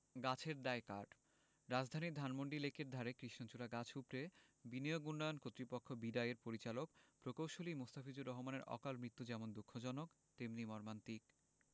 গাছের দায় কার রাজধানীর ধানমন্ডি লেকের ধারে কৃষ্ণচূড়া গাছ উপড়ে বিনিয়োগ উন্নয়ন কর্তৃপক্ষ বিডা এর পরিচালক প্রকৌশলী মোস্তাফিজুর রহমানের অকালমৃত্যু যেমন দুঃখজনক তেমনি মর্মান্তিক